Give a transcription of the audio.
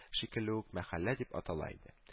Шикелле үк мәхәллә дип атала иде